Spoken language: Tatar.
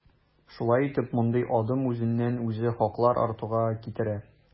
Шулай итеп, мондый адым үзеннән-үзе хаклар артуга китерә.